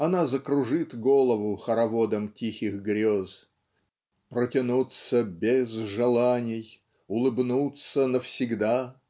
она закружит голову хороводом тихих грез. Протянуться без желаний Улыбнуться навсегда